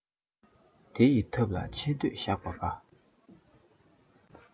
དེ ཡི ཐབས ལ ཆེ འདོད བཞག པ དགའ